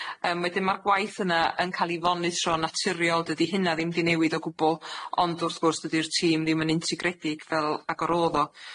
Yym wedyn ma'r gwaith yna yn ca'l 'i fonitro'n naturiol, dydi hynna ddim 'di newid o gwbwl, ond wrth gwrs, dydi'r tîm ddim yn integredig fel ag yr o'dd o.